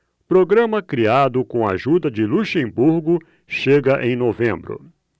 programa criado com a ajuda de luxemburgo chega em novembro